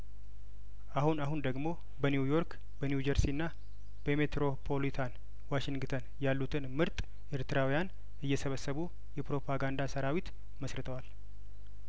አሁን አሁን ደግሞ በኒውዮርክ በኒውጀርሲና በሜትሮፓሊታን ዋሽንግተን ያሉትን ምርጥ ኤርትራውያን እየሰበሰቡ የፕሮፓጋንዳ ሰራዊት መስርተዋል